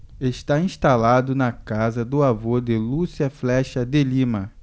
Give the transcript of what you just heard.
está instalado na casa do avô de lúcia flexa de lima